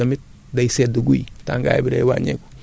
day mel ni nga tibb suuf nii rekk du xeeñ dara